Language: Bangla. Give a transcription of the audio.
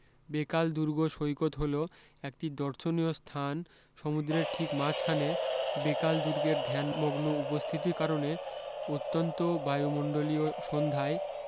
বেকাল দুর্গ সৈকত হল একটি দর্শনীয় স্থান সমুদ্রের ঠিক মাঝখানে বেকাল দুর্গের ধ্যানমগ্ন উপস্থিতির কারণে অত্যন্ত বায়ুমন্ডলীয় সন্ধ্যায়